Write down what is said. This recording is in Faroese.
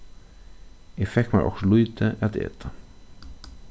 eg fekk mær okkurt lítið at eta